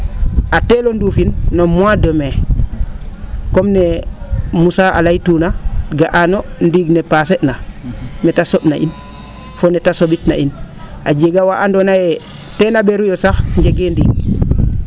a teel o nduufin no mois de mai comme nee Moussa a laytuuna ga'an no ndiig ne passer na mee ta so?na in fo neete so?it na in a jega waa andoona yee teena ?eeruyo sax njegee ndiig